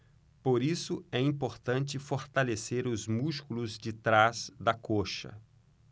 por isso é importante fortalecer os músculos de trás da coxa